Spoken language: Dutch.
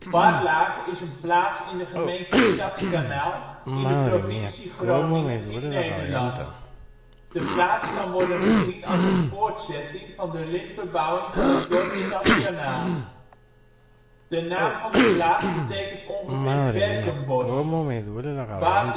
Barlage is een plaats in de gemeente Stadskanaal in de provincie Groningen, Nederland. De plaats kan worden gezien als een voortzetting van de lintbebouwing van het dorp Stadskanaal. De naam van de plaats betekent ongeveer berkenbos (bar